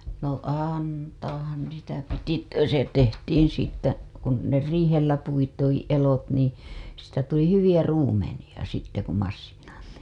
no antaahan niitä piti että kun se tehtiin siitä kun ne riihellä puitiin elot niin siitä tuli hyviä ruumenia sitten kun masiinattiin